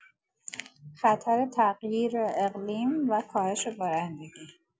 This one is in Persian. خطر تغییر اقلیم و کاهش بارندگی